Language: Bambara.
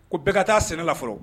Ko bɛɛ ka taa sɛnɛ la fɔlɔ